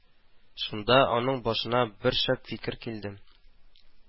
Шунда аның башына бер шәп фикер килде